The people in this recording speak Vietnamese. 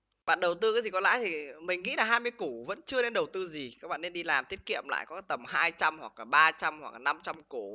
bạn đầu tư cái gì có lãi thì mình nghĩ là hai mươi củ vẫn chưa nên đầu tư gì các bạn nên đi làm tiết kiệm lại có tầm hai trăm hoặc là ba trăm hoặc năm trăm củ